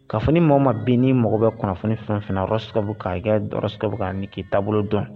Ka kunnafoni mɔgɔ ma bin ni mɔgɔ bɛ kunnafoni fɛn fana o sababubu ka sababu'a k'i taabolo dɔn